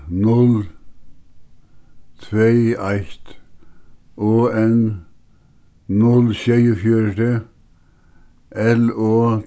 null tvey eitt o n null sjeyogfjøruti l o